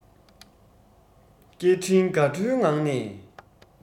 སྐད འཕྲིན དགའ སྤྲོའི ངང ནས